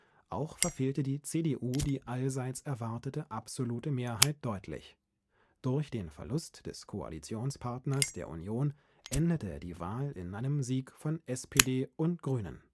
Auch verfehlte die CDU die allseits erwartete absolute Mehrheit deutlich. Durch den Verlust des Koalitionspartners der Union endete die Wahl in einem Sieg von SPD und Grünen